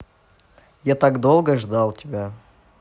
я так долго ждал тебя